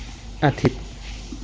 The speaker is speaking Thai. อาทิตย์